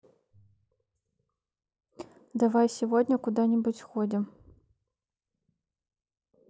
давай сегодня куда нибудь сходим